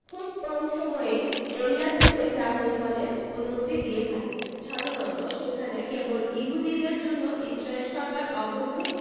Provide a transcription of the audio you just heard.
খুব কম সময়ই এরিয়া সি তে গ্রাম নির্মাণের অনুমতি দিয়ে থাকে সাধারণত সেখানে কেবল ইহুদিদের জন্য ইসরাইল সরকার অবৈধ